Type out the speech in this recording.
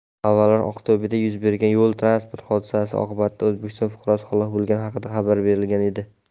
avvalroq aqto'beda yuz bergan yo transport hodisasi oqibatida o'zbekiston fuqarosi halok bo'lgani haqida xabar berilgan edi